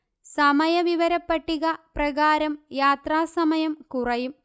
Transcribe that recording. സമയവിവരപ്പട്ടിക പ്രകാരം യാത്രാസമയം കുറയും